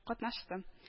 Катнашты